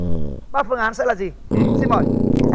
ba phương án sẽ là gì xin mời